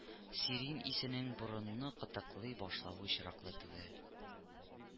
Сирень исенең борынны кытыклый башлавы очраклы түгел